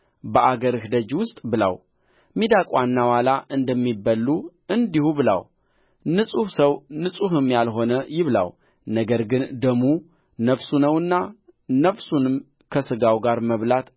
በአገርህ ደጅ ውስጥ ብላው ሚዳቋና ዋላ እንደሚበሉ እንዲሁ ብላው ንጹሕ ሰው ንጹሕም ያልሆነ ይብላው ነገር ግን ደሙ ነፍሱ ነውና ነፍሱንም ከሥጋው ጋር መብላት